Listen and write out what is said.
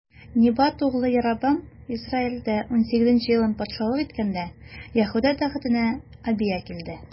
Небат углы Яробам Исраилдә унсигезенче елын патшалык иткәндә, Яһүдә тәхетенә Абия килде.